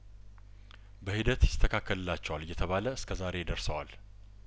በሂደት ይስተካከልላቸዋል እየተባለእስከዛሬ ደርሰዋል